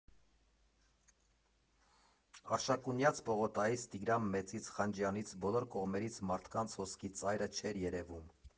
Արշակունյաց պողոտայից, Տիգրան Մեծից, Խանջյանից՝ բոլոր կողմերից մարդկանց հոսքի ծայրը չէր երևում։